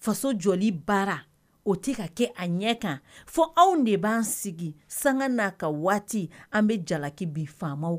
Faso jɔ baara o tɛ ka kɛ a ɲɛ kan fo anw de b'an sigi san n'a ka waati an bɛ jalaki bi faama